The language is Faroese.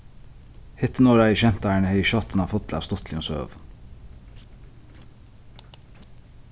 hittinorðaði skemtarin hevði skjáttuna fulla av stuttligum søgum